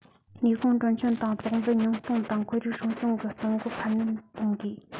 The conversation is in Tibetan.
ནུས ཁུངས གྲོན ཆུང དང བཙོག འབུད ཉུང གཏོང དང ཁོར ཡུག སྲུང སྐྱོང གི གཏོང སྒོ འཕར སྣོན གཏོང དགོས